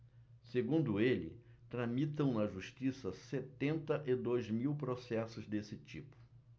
segundo ele tramitam na justiça setenta e dois mil processos desse tipo